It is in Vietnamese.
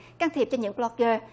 can thiệp cho những bờ lốc gơ